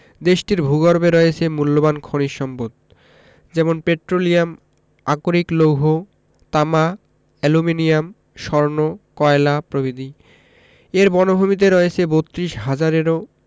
দেশটির ভূগর্ভে রয়েছে মুল্যবান খনিজ সম্পদ যেমন পেট্রোলিয়াম আকরিক লৌহ তামা অ্যালুমিনিয়াম স্বর্ণ কয়লা প্রভৃতি এর বনভূমিতে রয়েছে ৩২ হাজারেরও